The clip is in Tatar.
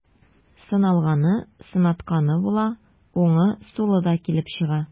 Сыналганы, сынатканы була, уңы, сулы да килеп чыга.